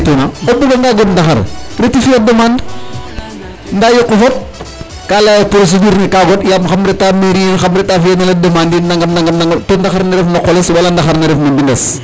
o buganga god ndaxar reti fi' a demande ndaa yoq ke fop kaa layaa yee procédure ne ka goɗ yaam xam reta mairie yiin xam reta fi'anel a demande in nangam nangam to ndaxar ne ref na qoles ndaxar ne ref na mbindes.